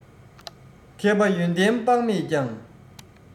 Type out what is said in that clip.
མཁས པ ཡོན ཏན དཔག མེད ཀྱང